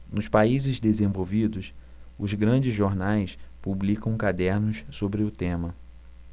nos países desenvolvidos os grandes jornais publicam cadernos sobre o tema